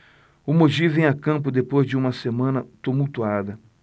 o mogi vem a campo depois de uma semana tumultuada